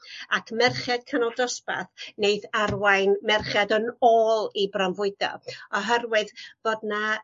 Ac merched canol dosbarth neith arwain merched yn ôl i bronfwydo oherwydd fod 'na